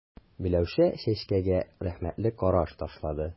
Миләүшә Чәчкәгә рәхмәтле караш ташлады.